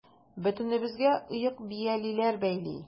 Бөтенебезгә оек-биялиләр бәйли.